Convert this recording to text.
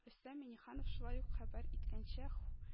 Рөстәм Миңнеханов шулай ук хәбәр иткәнчә